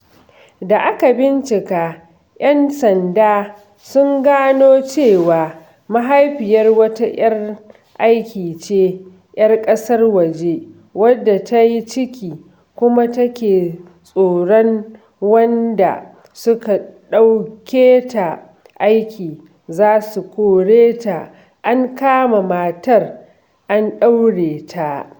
Da aka bincika, 'yan sanda sun gano cewa mahaifiyar wata 'yar aiki ce 'yar ƙasar waje wadda ta yi ciki kuma take tsoron waɗanda suka ɗauke ta aiki za su kore ta. An kama matar an ɗaure ta.